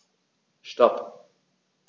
Stop.